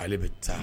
Ale bi taa